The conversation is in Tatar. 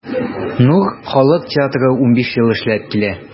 “нур” халык театры 15 ел эшләп килә.